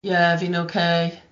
Ie, fi'n ocê.